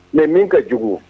Mɛ min ka jugu